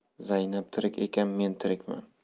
zaynab tirik ekan men tirikman